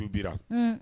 N bira